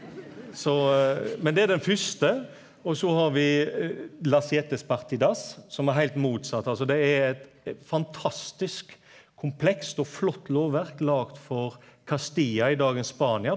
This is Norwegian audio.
så men det er den fyrste og så har vi som er heilt motsett altså det er eit fantastisk komplekst og flott lovverk laga for Castilla i dagens Spania.